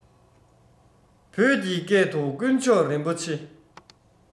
བོད ཀྱི སྐད དུ དཀོན མཆོག རིན པོ ཆེ